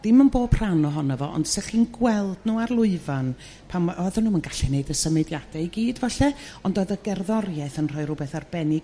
Dim yn bob rhan ohono fo ond 'sy chi'n gweld nhw ar lwyfan pan m- o'ddan nhw 'm yn gallu wneud symudiade i gyd falle ond o'dd y gerddori'eth yn rhoi rywbeth arbennig